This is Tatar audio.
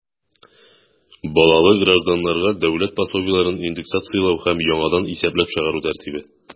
Балалы гражданнарга дәүләт пособиеләрен индексацияләү һәм яңадан исәпләп чыгару тәртибе.